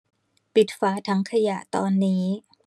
ปิดฝาถังขยะตอนนี้